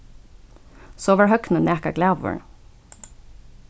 so var høgni nakað glaður